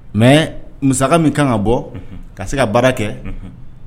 Mɛ mu min kan ka bɔ ka se ka baara kɛ